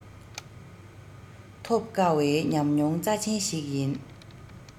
ཐོབ དཀའ བའི ཉམས མྱོང རྩ ཆེན ཞིག ཡིན